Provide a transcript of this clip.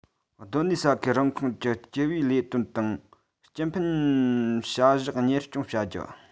སྡོད གནས ས ཁུལ རང ཁོངས ཀྱི སྤྱི པའི ལས དོན དང སྤྱི ཕན བྱ གཞག གཉེར སྐྱོང བྱ རྒྱུ